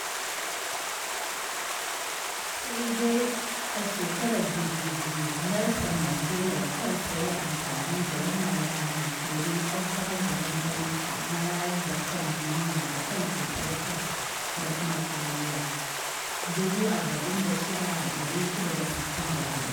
Sai dai a 2000, Nelson Mandela da kansa ya yi amfani da wannan rana domin ƙaddamar gangaminsa na wayar da kan duniya a kan cutar Es da kuma kariya, 46664.